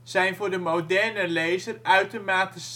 zijn voor de moderne lezer uitermate